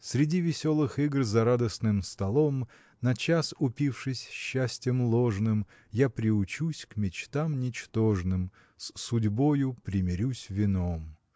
Среди веселых игр за радостным столом На час упившись счастьем ложным Я приучусь к мечтам ничтожным С судьбою примирюсь вином.